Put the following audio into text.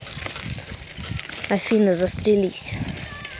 афина застрелись